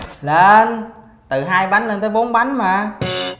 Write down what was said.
lên từ hai bánh lên tới bốn bánh mà